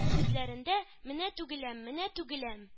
Күзләрендә – менә түгеләм, менә түгеләм